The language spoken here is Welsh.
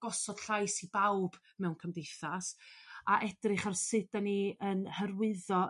gosodd llais i bawb mewn cymdeithas a edrych ar sud 'dan ni yn hyrwyddo